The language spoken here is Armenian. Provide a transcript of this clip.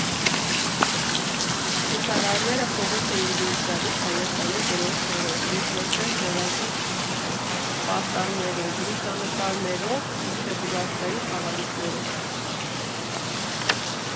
Ցուցարարները փողոց էին դուրս գալիս Հայաստանի դրոշներով, ինքնաշեն ձեռագիր պաստառներով, լուսանկարներով ու Չեբուռաշկայի խաղալիքներով։